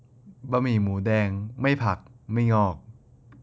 บะหมี่หมูแดงไม่ผักไม่งอก